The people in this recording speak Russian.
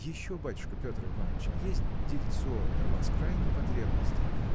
Еще, батюшка, Петр Иваныч, есть дельце до вас крайней потребности